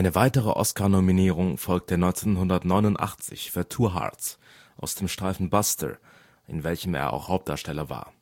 weitere Oscar-Nominierung folgte 1989 für Two Hearts aus dem Streifen Buster, in welchem er auch Hauptdarsteller war